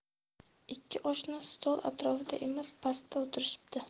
ikki oshna ustol atrofida emas pastda o'tirishibdi